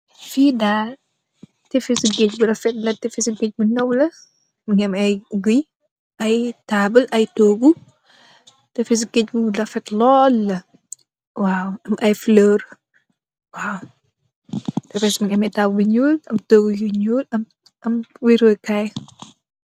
Fii daal tefesi geege la, tefesi geege bu ndaw la. Mu ngi am ay guy, ay taabul ak ay toogu. Tefesu geege bu rafet lool lë, waaw, am ay fuloor. Tefes bi mbu ngi am ay taabul ñu ñuul ak ay toogu, am weeroo kaay.